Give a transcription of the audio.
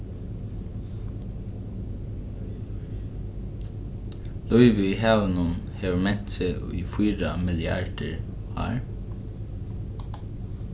lívið í havinum hevur ment seg í fýra milliardir ár